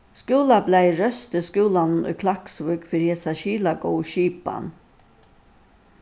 skúlablaðið rósti skúlanum í klaksvík fyri hesa skilagóðu skipan